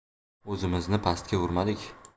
o'zimizni pastga urarmidik